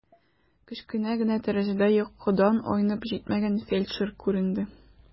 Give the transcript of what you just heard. Кечкенә генә тәрәзәдә йокыдан айнып җитмәгән фельдшер күренде.